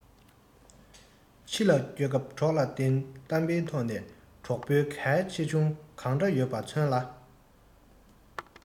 ཕྱི ལ སྐྱོད སྐབས གྲོགས ལ བརྟེན གཏམ དཔེའི ཐོག ནས གྲོགས པོའི གལ ཆེ ཆུང གང འདྲ ཡོད པ མཚོན ལ